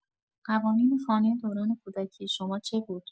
قوانین خانه دوران کودکی شما چه بود؟